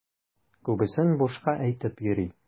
Күбесен бушка әйтеп йөри.